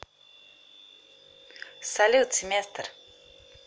салют семестр